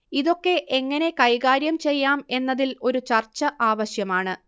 ഇതൊക്കെ എങ്ങനെ കൈകാര്യം ചെയ്യാം എന്നതിൽ ഒരു ചർച്ച ആവശ്യമാണ്